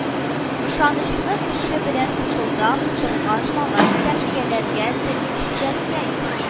Ышанычлы кеше белән тупылдап торган малай тәрбияләргә тели чибәркәй